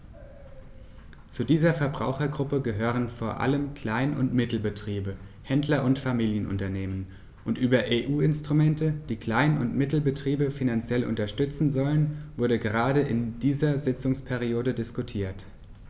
Zu dieser Verbrauchergruppe gehören vor allem Klein- und Mittelbetriebe, Händler und Familienunternehmen, und über EU-Instrumente, die Klein- und Mittelbetriebe finanziell unterstützen sollen, wurde gerade in dieser Sitzungsperiode diskutiert.